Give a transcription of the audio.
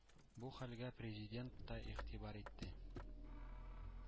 Бу хәлгә Президент та игътибар итте.